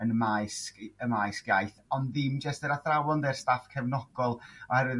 yn maes y maes iaith ond ddim jyst yr athrawon de? Y staff cefnogol oherwydd